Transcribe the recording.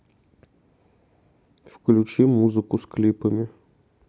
включи музыку с клипами